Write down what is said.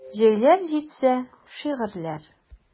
Җәйләр җитсә: шигырьләр.